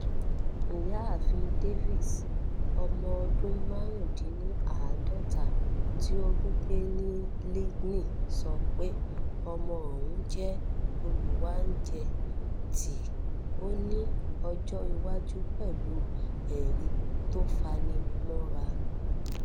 Ìyàáfin Davis, ọmọ ọdún 45, tíó ń gbé ní Lydney, sọ pé ọmọ òun jẹ́ olúwáńjẹ tí ‘’o ní ọjọ́ iwáajú pẹ̀lú ẹ̀rín tó fanimọ́ra